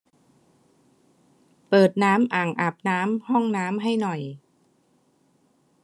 เปิดน้ำอ่างอาบน้ำห้องน้ำให้หน่อย